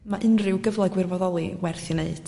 ma' unrhyw gyfle gwirfoddoli werth i neud